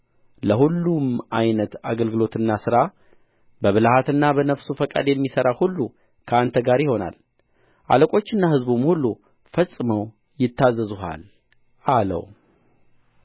ለሁሉም ዓይነት አገልግሎትና ሥር በብልሃትና በነፍሱ ፈቃድ የሚሠራ ሁሉ ከአንተ ጋር ይሆናል አለቆችና ሕዝቡም ሁሉ ፈጽመው ይታዘዙሃል አለው